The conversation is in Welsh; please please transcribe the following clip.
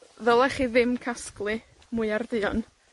Ddylech chi ddim casglu mwyar duon,